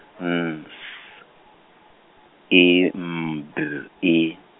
N S I M B I.